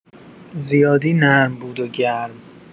زیادی نرم بود و گرم.